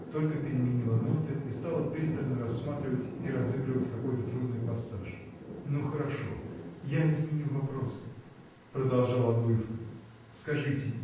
только переменила ноты и стала пристально рассматривать и разыгрывать какой-то трудный пассаж. – Ну хорошо я изменю вопрос – продолжал Адуев – скажите